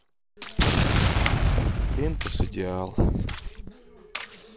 плинтус идеал